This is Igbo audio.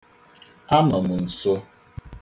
Anọ m nso.